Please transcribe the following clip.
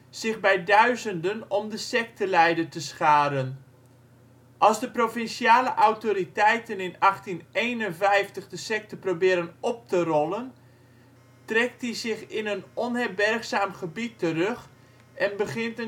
zich bij duizenden om de sekteleider te scharen. Als de provinciale autoriteiten in 1851 de sekte proberen op te rollen, trekt die zich in een onherbergzaam gebied terug en begint